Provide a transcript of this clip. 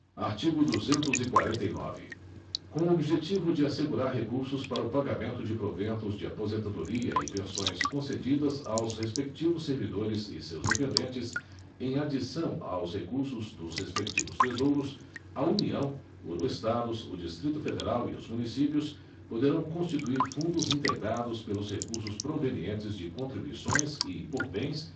artigo duzentos e quarenta e nove com o objetivo de assegurar recursos para o pagamento de proventos de aposentadoria e pensões concedidas aos respectivos servidores e seus dependentes em adição aos recursos dos respectivos tesouros a união os estados o distrito federal e os municípios poderão constituir fundos integrados pelos recursos provenientes de contribuições e por bens